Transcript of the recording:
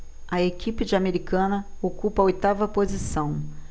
a equipe de americana ocupa a oitava posição